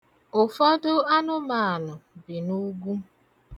Ụfọdụ anụmanụ bi n'ugwu.